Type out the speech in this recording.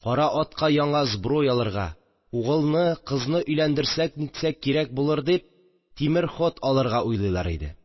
Кара атка яңа збруй алырга, угылны, кызны өйләндерсәк-нитсәк кирәк булыр дип, тимер ход алырга уйлыйлар иде.